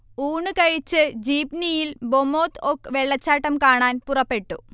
ഊണ് കഴിച്ച് ജീപ്നിയിൽ ബൊമൊദ്-ഒക് വെള്ളച്ചാട്ടം കാണാൻ പുറപ്പെട്ടു